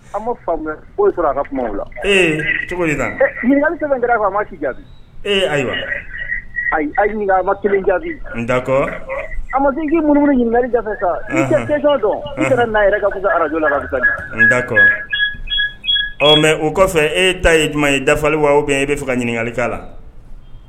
A ka la cogo ayiwa ja dakɔ ja dakɔ ɔ mɛ o kɔfɛ e ta ye ɲuman ye dafali wa bɛ e bɛ fɛ ka ɲininkakali kan la